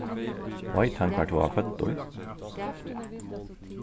veit hann hvar ið tú vart føddur